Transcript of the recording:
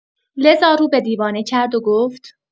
لذا رو به دیوانه کرد و گفت